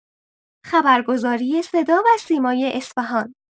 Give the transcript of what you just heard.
خبرگزاری صداوسیمای اصفهان